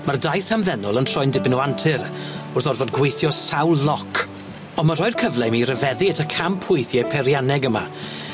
ma'r daith hamddenol yn troi'n dipyn o antur wrth orfod gweithio sawl loc, on' ma' rhoi'r cyfle i mi ryfeddu at y campwethie peirianneg yma